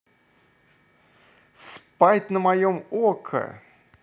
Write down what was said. спать на моем okko